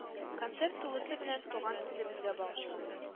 Концерт тулысы белән туган телебезгә багышланды